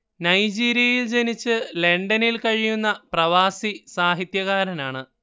നൈജീരിയയിൽ ജനിച്ച് ലണ്ടനിൽ കഴിയുന്ന പ്രവാസി സാഹിത്യകാരനാണ്